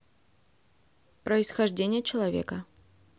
происхождение человека